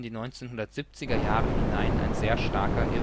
1970er Jahre hinein ein sehr starker